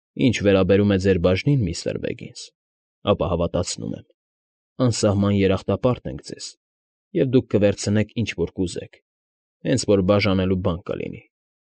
Ինչ վերաբերում է ձեր բաժնին, միստր Բեգինս, ապա, հավատացնում եմ, անսահման երախտապարտ ենք ձեզ, և դուք կվերցնեք, ինչ որ կուզեք, հենց որ բաժանելու բան լինի։